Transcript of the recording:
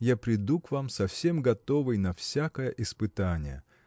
я приду к вам совсем готовый на всякое испытание